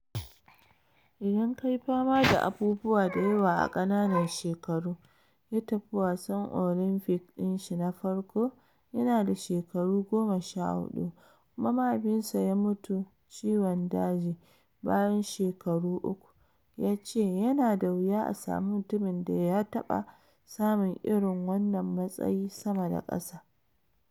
"Idan kayi fama da abubuwa da yawa a ƙananan shekaru" - ya tafi wasan Olympics din shi na farko yana da shekaru 14 kuma mahaifinsa ya mutu ciwon daji bayan shekaru uku - ya ce yana da wuya a sami mutumin da ya taɓa samun irin wannan matsayi sama da kasa.